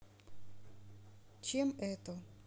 чем это